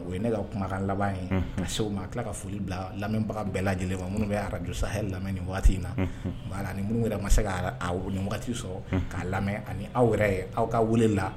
O ye ne ka kuma ka laban ye, unhun ka s'u ma ka tila ka foli bila lamɛnbaga bɛɛ lajɛlen minnu bɛ radio sahel lamɛn ni waati in na, ani minnu yɛrɛ ma se ka sɔrɔ k'a lamɛn ani aw yɛrɛ, aw ka wele la